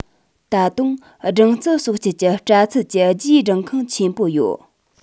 ད དུང སྦྲང རྩི གསོག སྤྱད ཀྱི པྲ ཚིལ གྱི རྒྱུའི སྦྲང ཁང ཆེན པོ ཡོད